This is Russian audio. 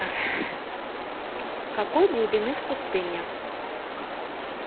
какой глубины в пустыне